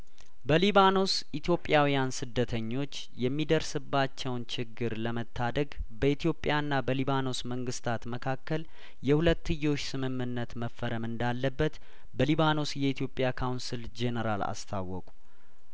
በሊባኖስ ኢትዮጵያውያን ስደተኞች የሚደርስባቸውን ችግር ለመታደግ በኢትዮጵያ ና በሊባኖስ መንግስታት መካከል የሁለትዮሽ ስምምነት መፈረም እንዳለበት በሊባኖስ የኢትዮጵያ ካውንስል ጄኔራል አስታወቁ